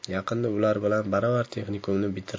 yaqinda ular bilan baravar texnikumni bitirib